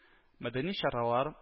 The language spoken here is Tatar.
Мәдәни чаралар